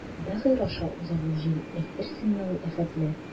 Бәгырь аша уза ул җил, әйтерсең лә ул афәтле.